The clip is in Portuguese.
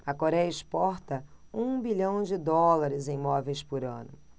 a coréia exporta um bilhão de dólares em móveis por ano